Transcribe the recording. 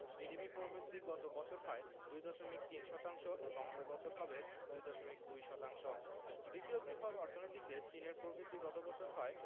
GDP প্রবৃদ্ধি গত বছর হয় ২.৩ শতাংশ এবং এ বছর হবে ২.২ শতাংশ দ্বিতীয় বৃহৎ অর্থনৈতিক দেশ চীনের প্রবৃদ্ধি গত বছর হয়